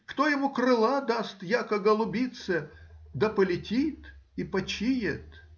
кто ему крыла даст, яко голубице, да полетит и почиет?